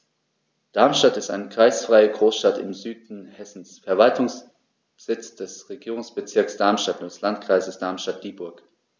Darmstadt ist eine kreisfreie Großstadt im Süden Hessens, Verwaltungssitz des Regierungsbezirks Darmstadt und des Landkreises Darmstadt-Dieburg.